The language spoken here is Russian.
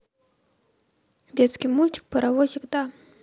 детский мультик паровозик да